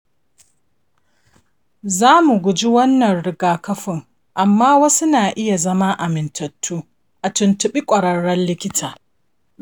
za mu guji wannan rigakafin, amma wasu na iya zama amintattu. a tuntuɓi ƙwararren likita.